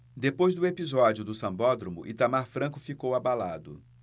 depois do episódio do sambódromo itamar franco ficou abalado